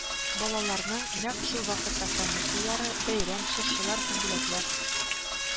Балаларның нәкъ шул вакытта каникуллары, бәйрәм, чыршылар һәм бүләкләр